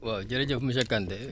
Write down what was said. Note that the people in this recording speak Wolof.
waaw jërëjëf monsieur Kante